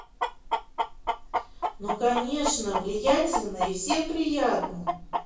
ну конечно влиятельно и всем приятно